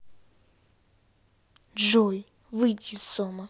джой выйди из сома